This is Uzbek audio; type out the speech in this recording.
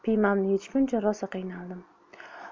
piymamni yechguncha qiynalib ketdim